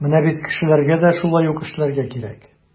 Менә бит кешеләргә дә шулай ук эшләргә кирәк.